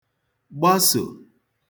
gbasò